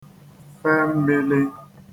fe mmīlī